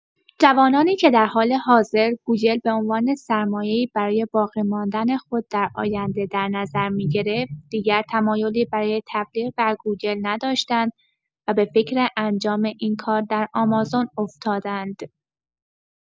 جوانانی که در حال حاضر گوگل به عنوان سرمایه‌ای برای باقی‌ماندن خود در آینده در نظر می‌گرفت، دیگر تمایلی برای تبلیغ در گوگل نداشتند و به فکر انجام این کار در آمازون افتادند!